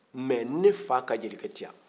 mɛ ne fa ka jelikɛ tɛ yan